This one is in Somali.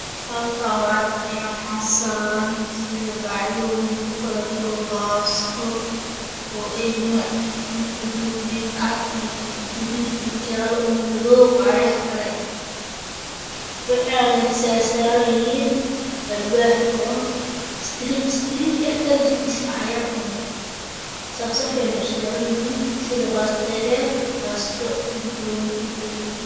Halkaan waa Kane waxa saaran sida:bacyooyin ku kala jiro baasto oo ay nooc ah mid buluug, mid cad, mid gaduud, mid jaallo, mid madow baayaha kala eh. Waxayna saasaaran yihiin Alwaax oo istiriijtiij ah, karartiisana cayaar uu yahay, saf-safay na u saaran yihiin sida baasto dhàar-dheer, baasto makaroni iyo kaliini.